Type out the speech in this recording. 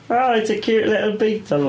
Aww... It's a cute little beetle.